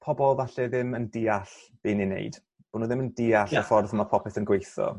pobol falle ddim yn deall be ni'n neud bo' n'w ddim yn deall y ffordd ma' popeth yn gweitho.